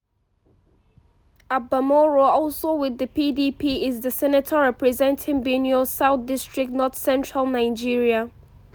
Abba Moro, also with the PDP, is the senator representing Benue South district, northcentral Nigeria.